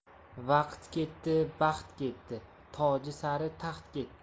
vaqt ketdi baxt ketdi toji sari taxt ketdi